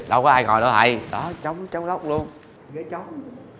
đâu có ai ngồi đâu thầy đó trống trống lốc luôn ghế trống